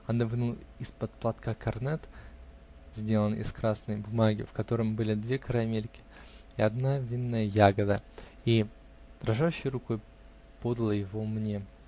Она вынула из-под платка корнет, сделанный из красной бумаги, в котором были две карамельки и одна винная ягода, и дрожащей рукой подала его мне.